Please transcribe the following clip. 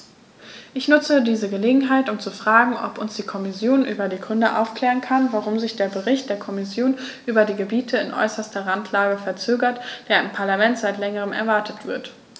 Ich nutze diese Gelegenheit, um zu fragen, ob uns die Kommission über die Gründe aufklären kann, warum sich der Bericht der Kommission über die Gebiete in äußerster Randlage verzögert, der im Parlament seit längerem erwartet wird.